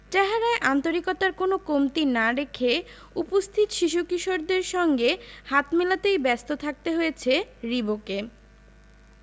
চেহারায় আন্তরিকতার কোনো কমতি না রেখে উপস্থিত শিশু কিশোরদের সঙ্গে হাত মেলাতেই ব্যস্ত থাকতে হয়েছে রিবোকে